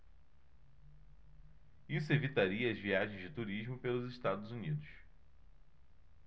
isso evitaria as viagens de turismo pelos estados unidos